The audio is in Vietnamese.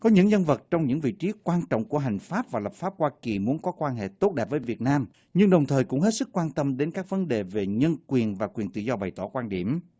có những nhân vật trong những vị trí quan trọng của hành pháp và lập pháp hoa kỳ muốn có quan hệ tốt đẹp với việt nam nhưng đồng thời cũng hết sức quan tâm đến các vấn đề về nhân quyền và quyền tự do bày tỏ quan điểm